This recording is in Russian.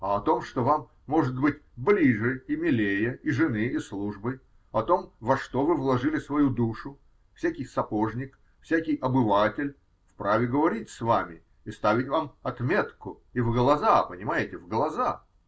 а о том, что вам, может быть, ближе и милее и жены, и службы, о том, во что вы вложили свою душу, всякий сапожник, всякий обыватель вправе говорить с вами и ставить вам отметку, и в глаза, понимаете, в глаза?